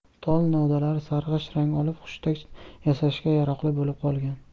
tol novdalari sarg'ish rang olib hushtak yasashga yaroqli bo'lib qolgan